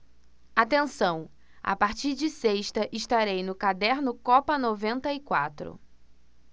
atenção a partir de sexta estarei no caderno copa noventa e quatro